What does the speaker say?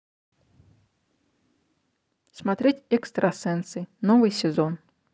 смотреть экстрасенсы новый сезон